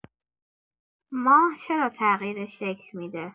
ماه چرا تغییر شکل می‌ده؟